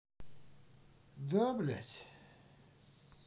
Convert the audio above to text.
да блять